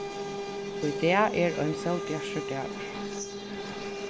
í dag er ein sólbjartur dagur